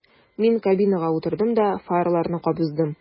Мин кабинага утырдым да фараларны кабыздым.